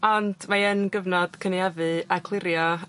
Ond mae yn gyfnod cynaeafu a clirio